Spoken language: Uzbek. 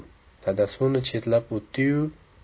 dadasi uni chetlab o'tdi yu